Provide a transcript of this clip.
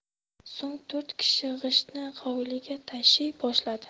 so'ng to'rt kishi g'ishtni hovliga tashiy boshladi